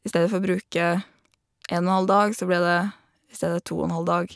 I stedet for å bruke en og halv dag så ble det i stedet to og en halv dag.